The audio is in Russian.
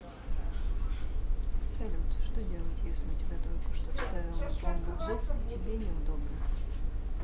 салют что делать если у тебя только что вставил на пломбу в зуб и тебе неудобно